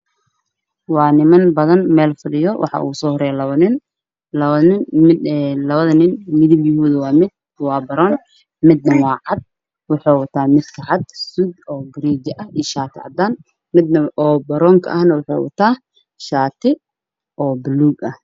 Meeshan waxaa iga muuqato laba nin oo is a fadhido midda uu wata suudi cadaan